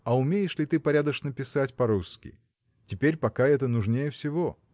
а умеешь ли ты порядочно писать по-русски? Теперь пока это нужнее всего.